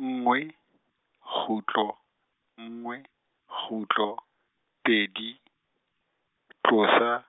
nngwe, kgutlo, nngwe, kgutlo, pedi, tlosa, s-,